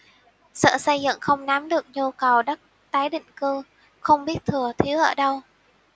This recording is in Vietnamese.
sở xây dựng không nắm được nhu cầu đất tái định cư không biết thừa thiếu ở đâu